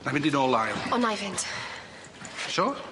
Na'i mynd i nôl O na'i fynd. Siŵr?